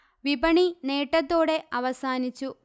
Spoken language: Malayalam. വിപണി നേട്ടത്തോടെ അവസാനിച്ചു